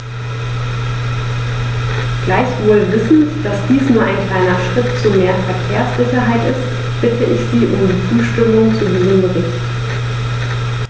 Gleichwohl wissend, dass dies nur ein kleiner Schritt zu mehr Verkehrssicherheit ist, bitte ich Sie um die Zustimmung zu diesem Bericht.